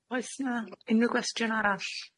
Oes 'na unryw gwestiwn arall?